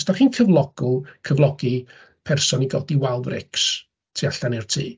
Os da chi'n cyflogw- cyflogi person i godi wal frics tu allan i'r tŷ...